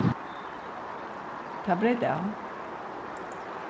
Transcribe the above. tað breyt av